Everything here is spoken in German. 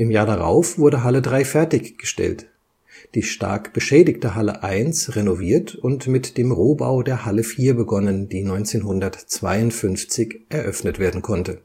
Jahr darauf wurde Halle 3 fertiggestellt, die stark beschädigte Halle 1 renoviert und mit dem Rohbau der Halle 4 begonnen, die 1952 eröffnet werden konnte